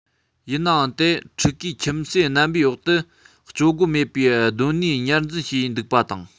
ཡིན ནའང དེ ཕྲུག གིས ཁྱིམ གསོས རྣམ པའི འོག ཏུ སྤྱོད སྒོ མེད པའི གདོད ནུས ཉར འཛིན བྱས འདུག པ དང